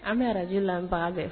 An bɛ araji labaa bɛɛ